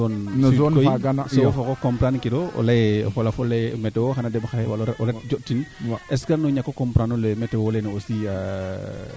Jokalante fene a xooya xoxox we wala te rok kam saate fee a fiya sensiblisation au moins pour wiin we mbaago an ne meteo a ñaaƴta